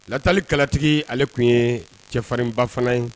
Latalikalatigi ale tun ye cɛfarinba fana ye